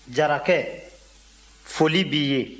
jarakɛ foli b'i ye